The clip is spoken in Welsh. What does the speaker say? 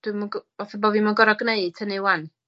dwi'm yn go- falle bo' fi'm yn gor'o' gneud hynny 'wan.